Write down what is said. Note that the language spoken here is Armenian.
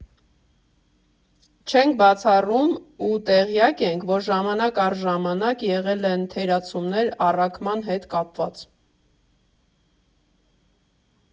Չենք բացառում ու տեղյակ ենք, որ ժամանակ առ ժամանակ եղել են թերացումներ առաքման հետ կապված։